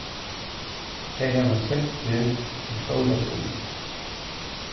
tey hava sett seg í stóra skuld